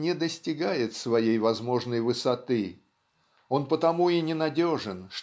не достигает своей возможной высоты. Он потому и ненадежен